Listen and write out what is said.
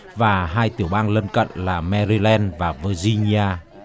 và hai tiểu bang lân cận là me ry len và vơ ri nhi a